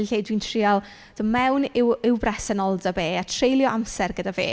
Lle dwi'n trial dod mewn i'w i'w bresenoldeb e, a treulio amser gyda fe.